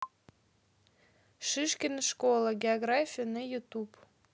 шишкина школа география на ютуб